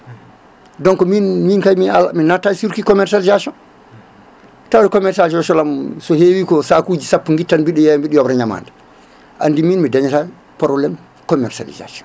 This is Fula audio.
donc min min kay mi mi natta circuit commercialisation tawi commercilisation so hewi ko sakuji sappo guittanmi mbiɗo yeeya mbiɗo yobra ñamade andi min mi dañata probléme commercialisation